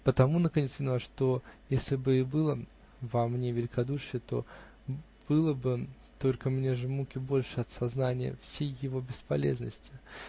Потому, наконец, виноват, что если б и было во мне великодушие, то было бы только мне же муки больше от сознания всей его бесполезности.